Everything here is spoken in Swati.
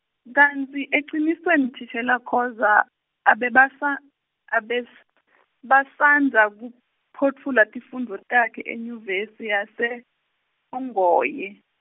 kantsi ecinisweni thishela Khoza, abebasa-, abes- , basandza, kuphotfula tifundvo takhe enyuvesi yase-Ongoye.